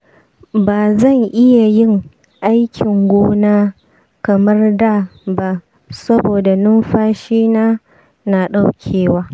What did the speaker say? ba zan iya yin aikin gona kamar dā ba saboda numfashina na ɗaukewa .